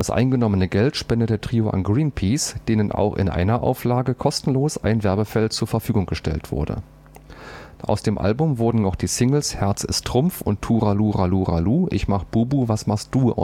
eingenommene Geld spendete Trio an Greenpeace, denen auch in einer Auflage kostenlos ein Werbefeld zur Verfügung gestellt wurde. Aus dem Album wurden noch die Singles „ Herz ist Trumpf “und „ Turaluraluralu – Ich mach BuBu was machst du “ausgekoppelt